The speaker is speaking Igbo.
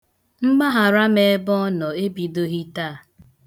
Mgbaghara m ebe ọ nọ ebidoghị taa.